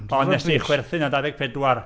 Ond wnest ti chwerthin ar dau ddeg pedwar.